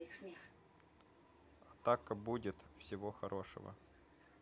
атака будет все хорошего